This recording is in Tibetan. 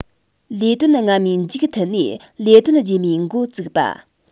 ལས དོན སྔ མའི མཇུག མཐུད ནས ལས དོན རྗེས མའི འགོ བཙུགས པ